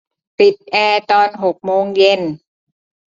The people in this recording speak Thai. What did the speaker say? ปิดแอร์ตอนหกโมงเย็น